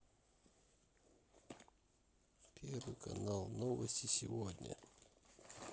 первый канал новости сегодня